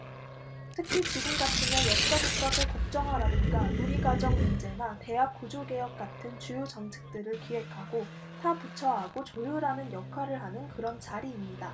특히 지금 같으면 역사교과서 국정화라든가 누리과정 문제나 대학 구조개혁 같은 주요 정책들을 기획하고 타 부처하고 조율하는 역할을 하는 그런 자리입니다